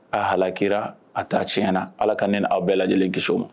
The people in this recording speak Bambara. A hakira a taa tiɲɛ na ala ka ne awaw bɛɛ lajɛ lajɛlen kisiso ma